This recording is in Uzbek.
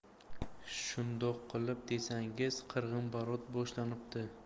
shundoq qilib desangiz qirg'inbarot boshlanibdi